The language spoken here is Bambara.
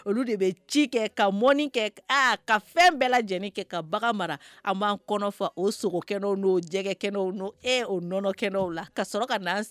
Olu de bɛ ci kɛ ka mɔni kɛ ka fɛn bɛɛ lajɛlen kɛ ka mara an b' kɔnɔ o sogokɛnɛ jɛgɛ kɛnɛ e oɔnɔ la ka sɔrɔ ka